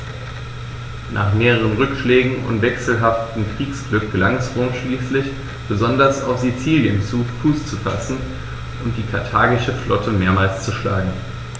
Nach mehreren Rückschlägen und wechselhaftem Kriegsglück gelang es Rom schließlich, besonders auf Sizilien Fuß zu fassen und die karthagische Flotte mehrmals zu schlagen.